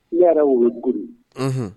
Ne yɛrɛ worodugu de ye unhun